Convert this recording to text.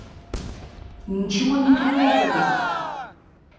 ничего не трогай